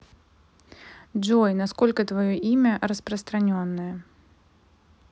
джой на сколько твое имя распространенное